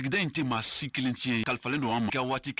Sigida in tɛ maa si kelen tiɲɛ ye kalifalen don' ma kɛ waati